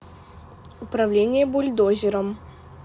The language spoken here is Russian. управление бульдозером